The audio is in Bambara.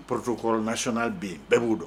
Protocole national bɛ yen, bɛɛ b'u don